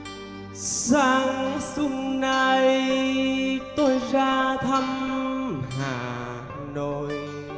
sáng xuân nay tôi ra thăm hà nội